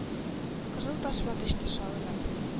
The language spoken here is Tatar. Кызыл тасма төште салынып.